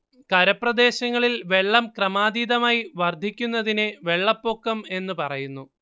കരപ്രദേശങ്ങളിൽ വെള്ളം ക്രമാതീതമായി വർദ്ധിക്കുന്നതിനെ വെള്ളപ്പൊക്കം എന്നു പറയുന്നു